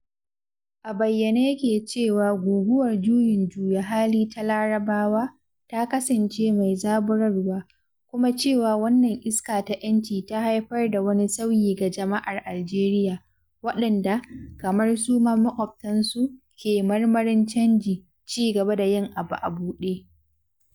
A bayyane yake cewa Guguwar Juyin Juya Hali ta Larabawa, ta kasance mai zaburarwa, kuma cewa wannan iska ta ‘yanci ta haifar da wani sauyi ga jama’ar Algeria, waɗanda, kamar suma maƙwabtansu, ke marmarin canji, cigaba, da yin abu a buɗe.